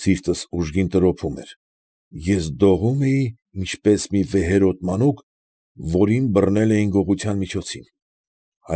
Սիրտս ուժգին տրոփում էր, ես դողում էի ինչպես մի վեհերաս մանուկ, որին բռնել Էին գողության միջոցին։